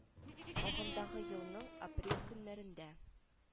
Агымдагы елның - апрель көннәрендә